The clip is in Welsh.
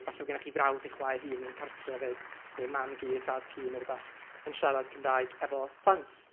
falle fod gennych chi frawd neu chwaer hŷn yn cartre 'fyd, neu mam gu, thad cu, neu rywbeth, yn siarad Cymraeg efo plant.